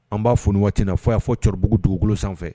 An b'a f waati na fo' y'a fɔ cɔribugu dugukolo sanfɛ